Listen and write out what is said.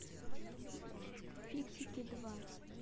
фиксики два